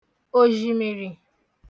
òzhìmìrì